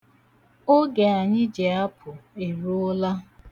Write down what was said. Oge anyị ji apụ eruola.